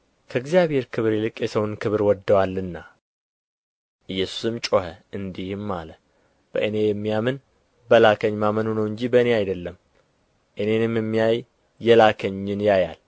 ከእግዚአብሔር ክብር ይልቅ የሰውን ክብር ወደዋልና ኢየሱስም ጮኸ እንዲህም አለ በእኔ የሚያምን በላከኝ ማመኑ ነው እንጂ በእኔ አይደለም እኔንም የሚያይ የላከኝን ያያል